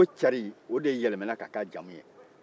dɔnki o cari o de yɛlɛmana ka kɛ a jamu ye